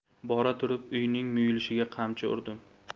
bora turib uyning muyulishiga qamchi urdim